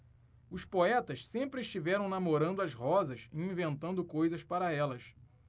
os poetas sempre estiveram namorando as rosas e inventando coisas para elas